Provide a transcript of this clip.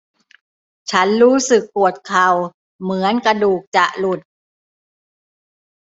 ฉันรู้สึกปวดเข่าเหมือนกระดูกจะหลุด